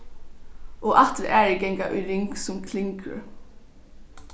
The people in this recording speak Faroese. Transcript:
og aftur aðrir ganga í ring sum klingrur